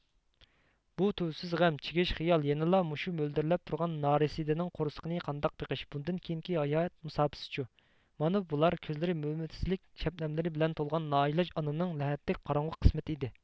بۇ تۈۋسىز غەم چىگىش خىيال يەنىلا مۇشۇ مۆلدۈرلەپ تۇرغان نارسىدىنىڭ قورسىقىنى قانداق بېقىش بۇندىن كېيىنكى ھايات مۇساپىسىچۇ مانا بۇلار كۆزلىرى ئۈمىدسىزلىك شەبنەملىرى بىلەن تولغان نائىلاج ئانىنىڭ لەھەتتەك قاراڭغۇ قىسمىتى ئىدى